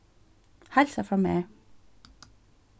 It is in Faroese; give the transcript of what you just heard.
heilsa frá mær